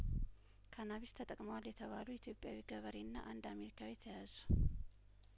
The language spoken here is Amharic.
ካናቢስ ተጠቅመዋል የተባሉ ኢትዮጵያዊ ገበሬና አንድ አሜሪካዊ ተያዙ